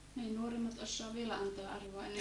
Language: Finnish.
ne ei nuoremmat osaa vielä antaa arvoa ennen kuin ne